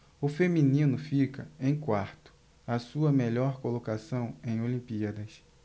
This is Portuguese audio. o feminino fica em quarto sua melhor colocação em olimpíadas